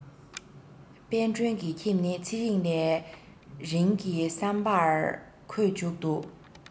དཔལ སྒྲོན གྱི ཁྱིམ ནི ཚེ རིང ལས རིང གི བསམ པར ཁོས མཇུག ཏུ